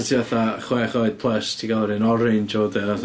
Os ti fatha chwech oed plus, ti'n cael yr un orange a wedyn fatha...